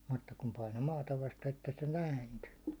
mutta kun painoi maata vasten että se nääntyi